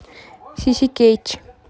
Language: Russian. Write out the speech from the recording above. сиси кетч